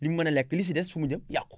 lim mën a lekk li si des fu mu jëm yàqu